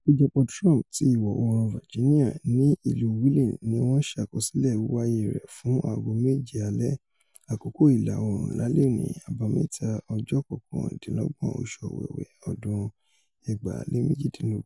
Ìpéjọpọ̀ Trump ti Ìwọ̀-oòrùn Virginia, ní ìlú Wheeling níwọn ṣàkọsílẹ̀ wíwáyé rẹ̀ fún aago méjé alẹ́. Àkókò l̀là-oòrùn lálẹ́ òní, Àbámẹ́ta, ọjọ́ kọkàndínlọ́gbọ̀n oṣù Owewe, ọdún 2018.